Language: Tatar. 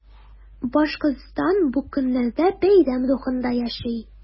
Башкортстан бу көннәрдә бәйрәм рухында яши.